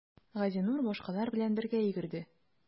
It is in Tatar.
Газинур башкалар белән бергә йөгерде.